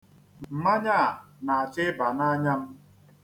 Mmanya na-achọ ịba n'anya m.